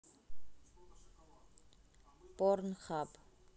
порнхаб